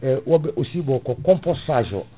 eyyi woɓɓe aussi ko compostage o